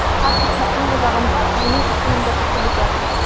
Һәр хикмәтнең азагында үзенең исемен дә кертеп үтә.